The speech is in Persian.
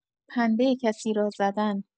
پنبه کسی را زدن